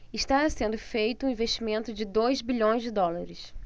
está sendo feito um investimento de dois bilhões de dólares